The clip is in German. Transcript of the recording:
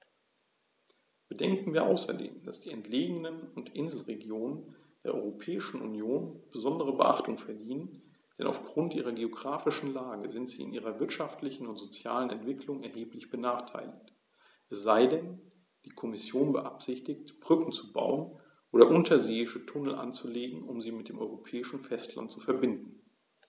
Bedenken wir außerdem, dass die entlegenen und Inselregionen der Europäischen Union besondere Beachtung verdienen, denn auf Grund ihrer geographischen Lage sind sie in ihrer wirtschaftlichen und sozialen Entwicklung erheblich benachteiligt - es sei denn, die Kommission beabsichtigt, Brücken zu bauen oder unterseeische Tunnel anzulegen, um sie mit dem europäischen Festland zu verbinden.